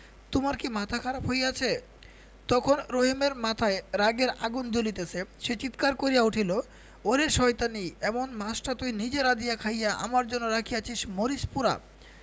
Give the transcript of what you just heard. তোমার কি মাথা খারাপ হইয়াছে তখন রহিমের মাথায় রাগের আগুন জ্বলিতেছে সে চিৎকার করিয়া উঠিল ওরে শয়তানী এমন মাছটা তুই নিজে ব্রাধিয়া খাইয়া আমার জন্য রাখিয়াছিস্ মরিচ পোড়া